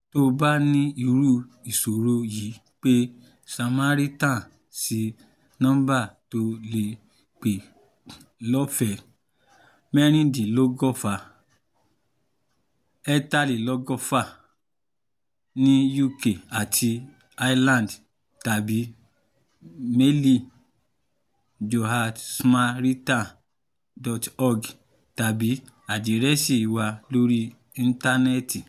To bá ní irú ìṣoro yìí pe Samaritans sí nọ́ḿbà to lè pè lọ́fẹ̀ẹẹ 116 123 (ní UK àti Ireland), tàbí méèlì jo@samaritans.org tàbí àdírẹ̀sì wa lóri íntánẹ́ẹ́tì.